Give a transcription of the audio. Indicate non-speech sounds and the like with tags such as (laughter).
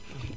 (hesitation) (hesitation)